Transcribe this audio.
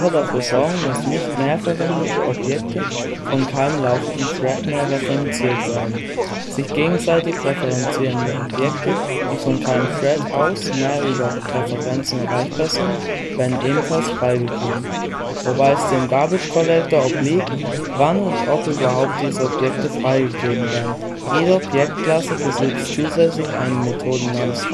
dafür sorgen, dass nicht mehr verwendete Objekte von keinem laufenden Thread mehr referenziert werden. Sich gegenseitig referenzierende Objekte, die von keinem Thread aus mehr über Referenzen erreichbar sind, werden ebenfalls freigegeben, wobei es dem Garbage Collector (GC) obliegt, wann und ob überhaupt diese Objekte freigegeben werden. Jede Objektklasse besitzt zusätzlich eine Methode namens finalize